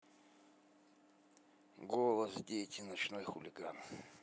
голос дети ночной хулиган